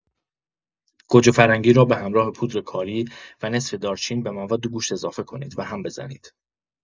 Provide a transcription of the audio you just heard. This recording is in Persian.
گوجه‌فرنگی را به همراه پودر کاری و نصف دارچین به مواد گوشت اضافه کنید و هم بزنید.